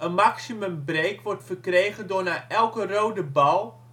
maximumbreak wordt verkregen door na elke rode bal